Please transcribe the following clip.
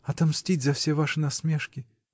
отмстить за все ваши насмешки.